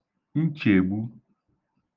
nchègbū